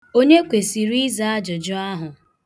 Onye kwesiri ịza ajụjụ ahụ?